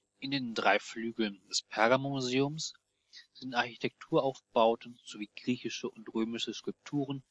In den drei Flügeln des Pergamonmuseums sind Architekturaufbauten sowie griechische und römische Skulpturen